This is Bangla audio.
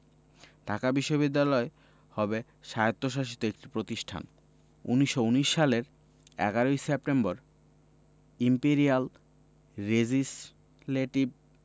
২. ঢাকা বিশ্ববিদ্যালয় হবে স্বায়ত্তশাসিত একটি প্রতিষ্ঠান ১৯১৯ সালের ১১ ই সেপ্টেম্বর ইম্পেরিয়াল রেজিসলেটিভ